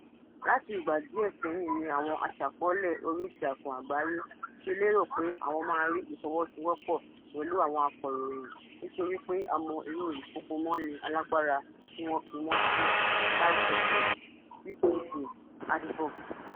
Láti ìgbà díẹ̀ sẹ́yìn ni àwọn aṣàkọ́ọ́lẹ̀ orí ìtàkùn àgbáyé ti lérò pé àwọn maa rí ìfọwọ́sowọ́pọ̀ pẹ̀lú àwọn akọ̀ròyìn nítorí pé a mọ̀ irú ìfúngunmọ́ni alágbára tí wọ́n fi wọ́n sí (RSF, CPJ, Advox).